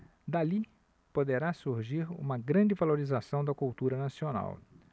dali poderá surgir uma grande valorização da cultura nacional